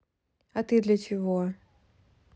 а ты для чего